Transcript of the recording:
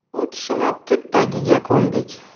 u kishini tut tagiga ko'mdik